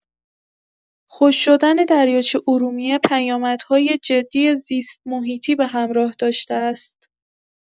خشک‌شدن دریاچه ارومیه پیامدهای جدی زیست‌محیطی به همراه داشته است.